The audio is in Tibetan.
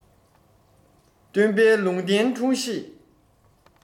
སྟོན པའི ལུང བསྟན འཁྲུངས གཞིས